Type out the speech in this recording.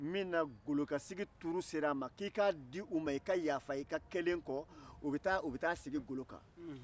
min na golokansigi tuuru sera a ma k'i ka di u ma i ka yaafa i ka kɛlen kɔ u bɛ taa sigi golo kan